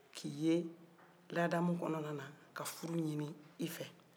k'i ye ladamu kɔnɔna na ka furu ɲinin i fɛ